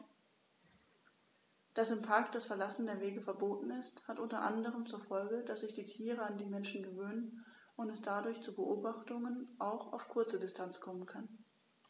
Dass im Park das Verlassen der Wege verboten ist, hat unter anderem zur Folge, dass sich die Tiere an die Menschen gewöhnen und es dadurch zu Beobachtungen auch auf kurze Distanz kommen kann.